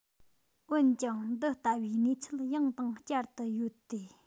འོན ཀྱང འདི ལྟ བུའི གནས ཚུལ ཡང དང བསྐྱར དུ ཡོད དེ